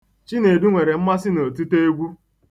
Chinedu nwere mmasị n'otite egwu.